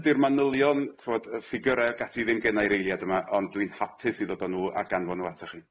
Ydi'r manylion ch'mod yy ffigyre ag ati ddim gennai reiliad yma ond dwi'n hapus i ddod o n'w a ganfon n'w atoch chi.